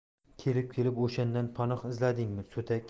kelib kelib o'shandan panoh izladingmi so'tak